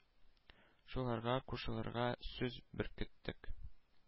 Шуларга кушылырга сүз беркеттек,